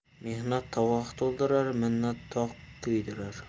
mehnat tovoq to'ldirar minnat toq kuydirar